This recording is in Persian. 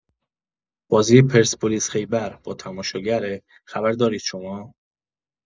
بازی پرسپولیس خیبر با تماشاگره خبر دارید شما؟